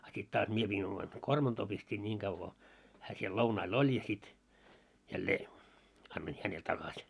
a sitten taas minä pidin oman kormantoon pistin niin kauan kun hän siellä lounailla oli ja sitten jälleen annoin hänelle takaisin